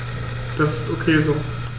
Das ist ok so.